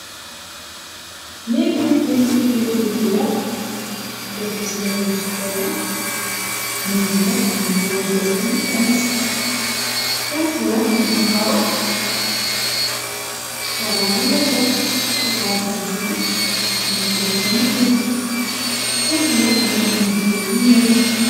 neeg buñ pentiir pentiir bu weex def ti senge bu sokola néeg bi nak ñum ko burele benn fens bi nak ñum ko karo karo bu nete ci kow fens bi ñum ci daf yenn buñ kër gi nak bu ngi am bunte kër gu ñuul